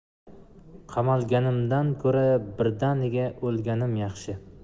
qamalganimdan ko'ra birdaniga o'lganim yaxshi